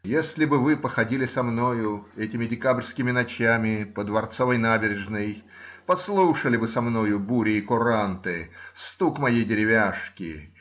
Но если бы вы походили со мною этими декабрьскими ночами по Дворцовой набережной, послушали бы со мною бури и куранты, стук моей деревяшки